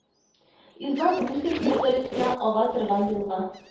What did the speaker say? Излап Русия территориясеннән ага торган елга